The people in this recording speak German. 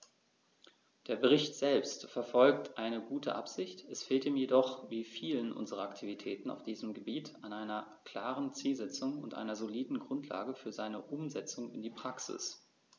Der Bericht selbst verfolgt eine gute Absicht, es fehlt ihm jedoch wie vielen unserer Aktivitäten auf diesem Gebiet an einer klaren Zielsetzung und einer soliden Grundlage für seine Umsetzung in die Praxis.